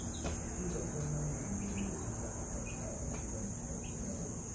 huy động hơn năm mươi ngàn lượt người tham gia học tập tại các trung tâm học tập cộng đồng